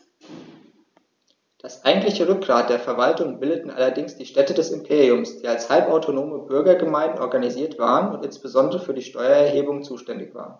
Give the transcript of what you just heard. Das eigentliche Rückgrat der Verwaltung bildeten allerdings die Städte des Imperiums, die als halbautonome Bürgergemeinden organisiert waren und insbesondere für die Steuererhebung zuständig waren.